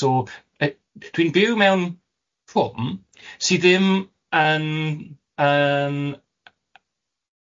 so yy dwi'n byw mewn sydd ddim yn yn y- y-